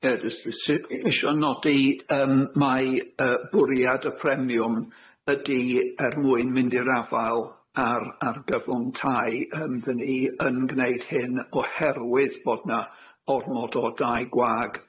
Ie jyst isio isio nodi yym mai yy bwriad y premiwm ydi er mwyn mynd i'r afal ar ar gyflwng tai yym fy'n i yn gneud hyn oherwydd bod na ormod o dai gwag